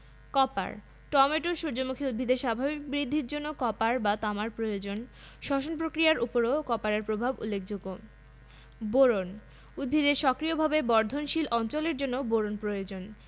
copper tomato সূর্যমুখী উদ্ভিদের স্বাভাবিক বৃদ্ধির জন্য কপার বা তামার প্রয়োজন শ্বসন পক্রিয়ার উপরও কপারের প্রভাব উল্লেখযোগ্য বোরন উদ্ভিদের সক্রিয়ভাবে বর্ধনশীল অঞ্চলের জন্য বোরন প্রয়োজন